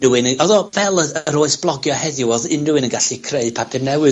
...rhwun, i- odd o fel y yr oes blogio heddiw, odd unrhyw un yn gallu creu papur newydd